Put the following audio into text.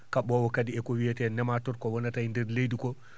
kaɓoowo kadi eko wiyete nématode ko wonata e nder leydi ko